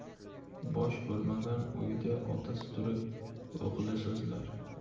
bosh bo'lmagan uyda otasi turib o'g'li so'zlar